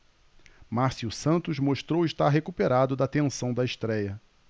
márcio santos mostrou estar recuperado da tensão da estréia